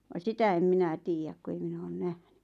vaan sitä en minä tiedä kun ei minä ole nähnyt